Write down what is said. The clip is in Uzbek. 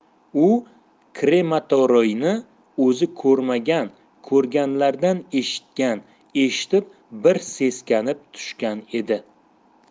u krematoriyni o'zi ko'rmagan ko'rganlardan eshitgan eshitib bir seskanib tushgan edi